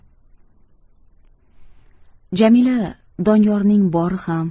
jamila doniyorning bori ham